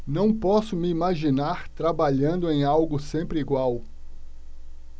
não posso me imaginar trabalhando em algo sempre igual